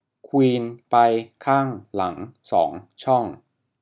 ควีนไปข้างหลังสองช่อง